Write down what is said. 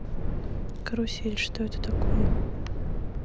карусель что это такое